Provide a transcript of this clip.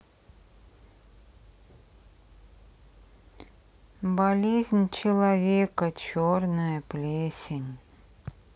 болезнь человека черная плесень